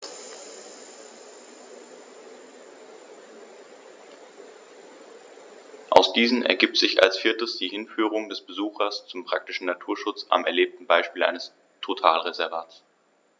Aus diesen ergibt sich als viertes die Hinführung des Besuchers zum praktischen Naturschutz am erlebten Beispiel eines Totalreservats.